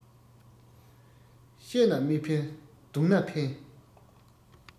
བཤད ན མི ཕན རྡུང ན ཕན